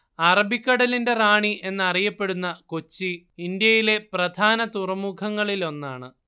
അറബിക്കടലിന്റെ റാണി എന്നറിയപ്പെടുന്ന കൊച്ചി ഇന്ത്യയിലെ പ്രധാന തുറമുഖങ്ങളിലൊന്നാണ്